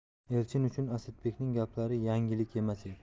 elchin uchun asadbekning gaplari yangilik emas edi